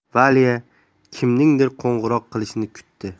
valya kimningdir qo'ng'iroq qilishini kutdi